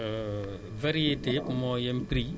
nee na ndax variétés yépp ñoo yam même prix bi